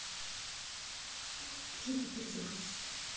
убери эту перезагрузить